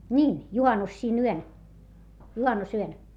niin juhannus siinä yönä juhannusyönä